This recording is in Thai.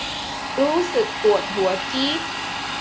รู้สึกปวดหัวจี๊ด